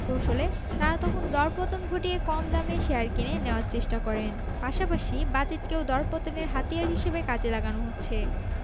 কৌশলে তাঁরা তখন দরপতন ঘটিয়ে কম দামে শেয়ার কিনে নেওয়ার চেষ্টা করেন পাশাপাশি বাজেটকেও দরপতনের হাতিয়ার হিসেবে কাজে লাগানো হচ্ছে